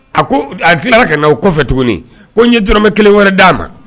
A ko a tilala ka'aw fɛ tugun ko n ye dɔrɔmɛ kelen wɛrɛ d' a ma